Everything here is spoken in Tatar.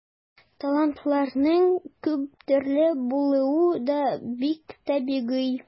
Талантларның күп төрле булуы да бик табигый.